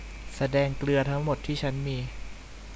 แสดงเกลือทั้งหมดที่ฉันมี